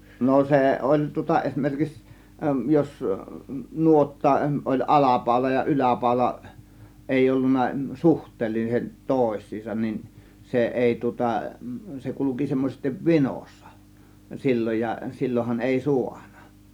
no se oli tuota esimerkiksi jos nuotta oli alapaula ja yläpaula ei ollut suhteelliset toisiinsa niin se ei tuota se kulki semmoisesti vinossa silloin ja silloinhan ei saanut